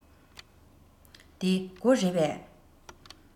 འདི སྒོ རེད པས